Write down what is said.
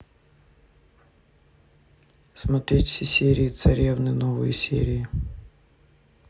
смотреть все серии царевны новые серии